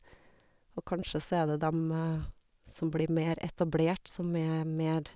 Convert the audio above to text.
Og kanskje så er det dem som blir mer etablert, som er mer...